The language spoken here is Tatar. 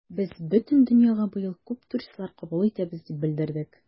Без бөтен дөньяга быел күп туристлар кабул итәбез дип белдердек.